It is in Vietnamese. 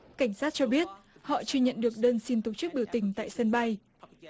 cảnh sát cho biết họ chưa nhận được đơn xin tổ chức biểu tình tại sân bay